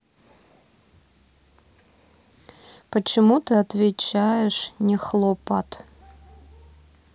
почему ты отвечаешь не хлопат